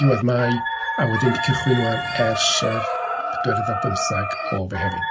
Diwedd Mai, a wedyn 'di wedi cychwyn 'wan ers yr pedwerydd ar bymtheg o Fehefin.